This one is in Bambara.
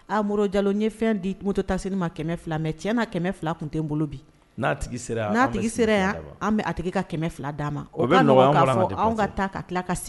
A Modibo Jalo n ye fɛn di moto taxi ma kɛmɛ fila, mais tiɲɛ la kɛmɛ fila tun tɛ n bolo bi, n'a tigi sera yan an bɛ a tigi ka kɛmɛ fila d'a ma, o ka nougo fɔ anw ka taa ka tila ka